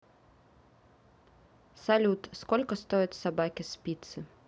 салют сколько стоят собаки спицы